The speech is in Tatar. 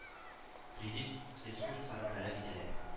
Кредит ресурслары таләп ителә